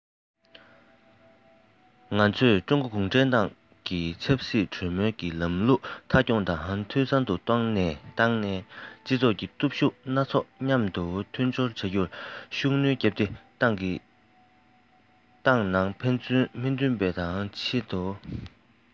ང ཚོས ཀྲུང གོ གུང ཁྲན ཏང གིས ཆབ སྲིད གྲོས མོལ གྱི ལམ ལུགས མཐའ འཁྱོངས དང འཐུས ཚང དུ བཏང ནས སྤྱི ཚོགས ཀྱི སྟོབས ཤུགས སྣ ཚོགས མཉམ ལས མཐུན སྦྱོར བྱ རྒྱུར ཤུགས སྣོན བརྒྱབ སྟེ ཏང ནང ཕན ཚུན མི མཐུན པ དང ཕྱིར འབུད ཀྱི སྣང ཚུལ ཐོན རྒྱུ གཏན འགོག བྱེད དགོས